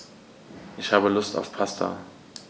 Ich habe Lust auf Pasta.